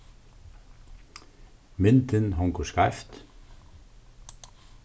myndin hongur skeivt